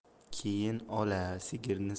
keyin ola sigirni